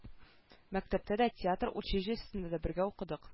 Мәктәптә дә театр училищесында да бергә укыдык